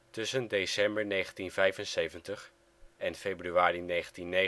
Tussen december 1975 en februari 1979